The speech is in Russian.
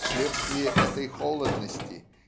вследствие этой холодности